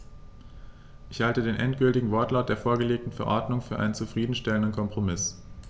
Ich halte den endgültigen Wortlaut der vorgelegten Verordnung für einen zufrieden stellenden Kompromiss.